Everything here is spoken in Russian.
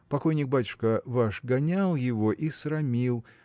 покойник батюшка ваш гонял его и срамил